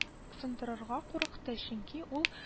Сындырырга курыкты, чөнки ул